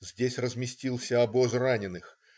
Здесь разместился обоз раненых.